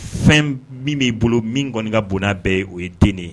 Fɛn min b'i bolo min kɔni ka bon bɛɛ ye o ye den de ye